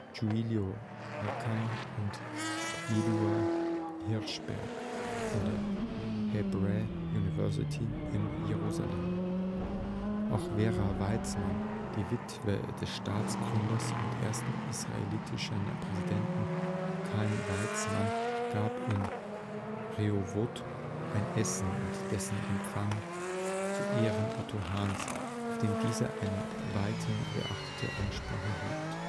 Giulio Racah und Yehuda Hirshberg von der Hebrew University in Jerusalem. Auch Vera Weizmann, die Witwe des Staatsgründers und ersten israelischen Präsidenten Chaim Weizmann, gab in Rehovot ein Essen und einen Empfang zu Ehren Otto Hahns, auf dem dieser eine weithin beachtete Ansprache hielt